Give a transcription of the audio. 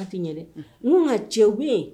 , unhun, nuhan cɛw bɛ yen